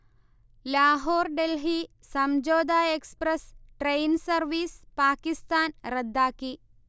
Lahore-Delhi Samjhauta express train service Pakistan റദ്ദാക്കി